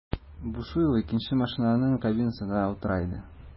Бушуева икенче машинаның кабинасында утыра иде.